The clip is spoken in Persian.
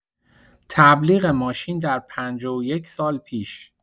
تبلیغ ماشین در ۵۱ سال پیش.